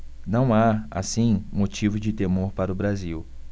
não há assim motivo de temor para o brasil